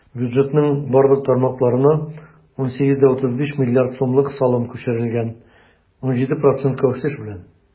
Бюджетның барлык тармакларына 18,35 млрд сумлык салым күчерелгән - 17 процентка үсеш белән.